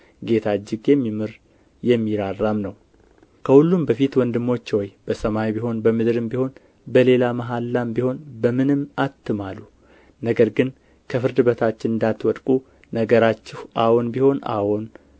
ጌታ እጅግ የሚምር የሚራራም ነውና ከሁሉም በፊት ወንድሞቼ ሆይ በሰማይ ቢሆን በምድርም ቢሆን በሌላ መሐላም ቢሆን በምንም አትማሉ ነገር ግን ከፍርድ በታች እንዳትወድቁ ነገራችሁ አዎን ቢሆን አዎን